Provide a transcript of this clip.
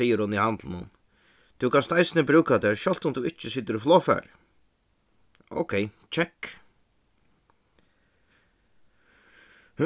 sigur hon í handlinum tú kanst eisini brúka tær sjálvt um tú ikki situr í flogfari ókey kekk